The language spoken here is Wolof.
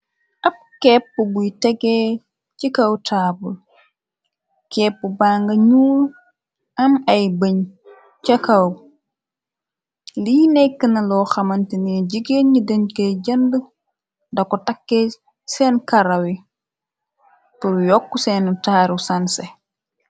ab kepp buy tegee ci kaw taabul kepp bang ñuu am ay bëñ ca kaw li nekk na loo xamante ne jigeen ni dënko jënd dako takkee seen karawi bur yokk seenu taaru sanse.